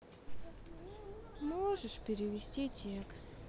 можешь перевести текст